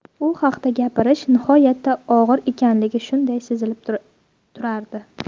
u haqda gapirish nihoyatda og'ir ekanligi shunday sezilib turardi